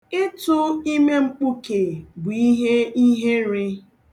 Ịtụ ime mkpuke bụ ihe ihere.